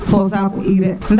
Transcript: fo o saaku urée